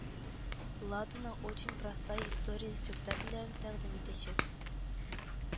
Ладоның Очень простая история спектакльләрен тәкъдим итәчәк